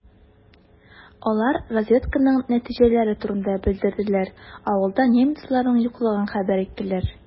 Алар разведканың нәтиҗәләре турында белдерделәр, авылда немецларның юклыгын хәбәр иттеләр.